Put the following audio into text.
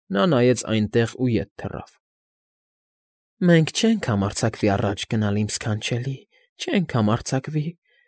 Նա նայեց այնտեղ ու ետ թռավ։ ֊ Մենք չենք համարձակվի առաջ գնալ, իմ ս֊ս֊սքանչելի, չենք համարձակվի։